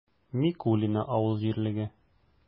Микулино авыл җирлеге